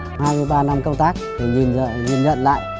hai mươi ba năm công tác nhìn nhìn nhận lại